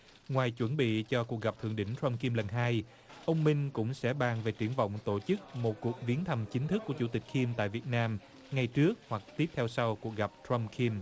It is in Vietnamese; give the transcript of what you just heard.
ngoài chuẩn bị cho cuộc gặp thượng đỉnh trăm kim lần hai ông minh cũng sẽ bàn về triển vọng tổ chức một cuộc viếng thăm chính thức của chủ tịch kiêm tại việt nam ngày trước hoặc tiếp theo sau cuộc gặp trăm kim